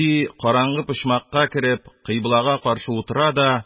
Караңгы почмакка кереп, кыйблага каршы утыра да